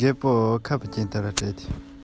ང དང ཁ འབྲལ དགོས པ ཤེས ཚེ